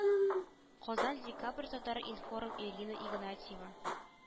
Казан декабрь татар-информ ирина игнатьева